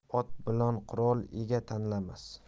ot bilan qurol ega tanlamas